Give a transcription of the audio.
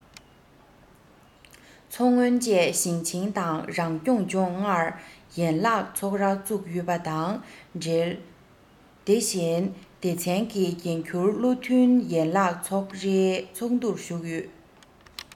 མཚོ སྔོན བཅས ཞིང ཆེན དང རང སྐྱོང ལྗོངས ལྔར ཡན ལག ཚོགས ར བཙུགས ཡོད པ དང འབྲེལ དེ བཞིན སྡེ ཚན གྱི འགན ཁུར བློ མཐུན ཡན ལག ཚོགས རའི ཚོགས འདུར ཞུགས ཡོད